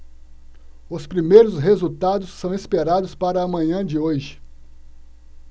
os primeiros resultados são esperados para a manhã de hoje